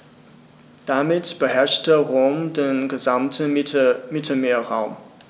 Damit beherrschte Rom den gesamten Mittelmeerraum.